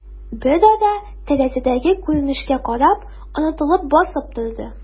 Берара, тәрәзәдәге күренешкә карап, онытылып басып торды.